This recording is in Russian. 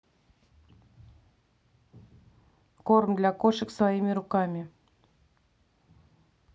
корм для кошек своими руками